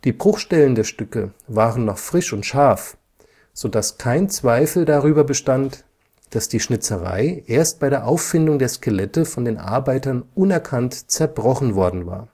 Bruchstellen der Stücke waren noch frisch und scharf, so daß kein Zweifel darüber bestand, daß die Schnitzerei erst bei der Auffindung der Skelette von den Arbeitern unerkannt zerbrochen worden war